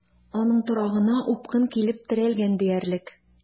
Аның торагына упкын килеп терәлгән диярлек.